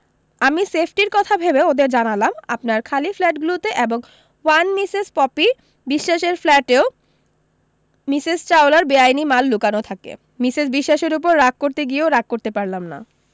আমি সেফটির কথা ভেবে ওদের জানালাম আপনার খালি ফ্ল্যাটগুলোতে এবং ওয়ান মিসেস পপি বিশ্বাসের ফ্ল্যাটেও মিসেস চাওলার বেআইনি মাল লুকনো থাকে মিসেস বিশ্বাসের উপর রাগ করতে গিয়েও রাগ করতে পারলাম না